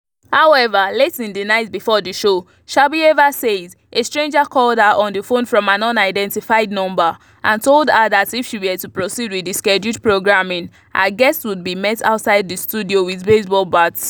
However, late in the night before the show, Shabuyeva says, a stranger called her on the phone from an unidentified number and told her that if she were to proceed with the scheduled programming, her guests would be met outside the studio with baseball bats.